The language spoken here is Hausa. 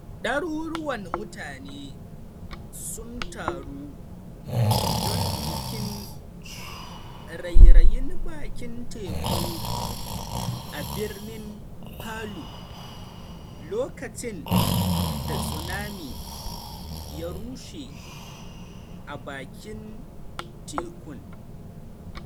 Daruruwan mutane sun taru don bikin rairayin bakin teku a birnin Palu lokacin da tsunami ya rushe a bakin tekun.